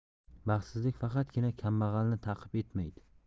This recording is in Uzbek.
baxtsizlik faqatgina kambag'alni ta'qib etmaydi